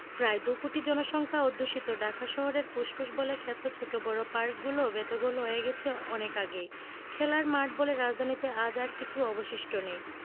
প্রায় দুকোটি জনসংখ্যা অধ্যুষিত ঢাকা শহরের ফুসফুস বলে খ্যাত ছোট বড় পার্কগুলো বেদখল হয়ে গেছে অনেক আগেই খেলার মাঠ বলে রাজধানীতে আজ আর কিছু অবশিষ্ট নেই